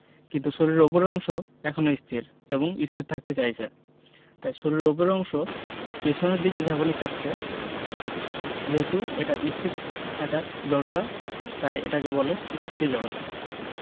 কিন্তু শরীরের ওপরের অংশ এখনো স্থির এবং স্থির থাকতে চাইছে তাই শরীরের ওপরের অংশ পেছনের দিকে ঝাঁকুনি খাচ্ছে যেহেতু এটা স্থির থাকার জড়তা তাই এটাকে বলে স্থিতি জড়তা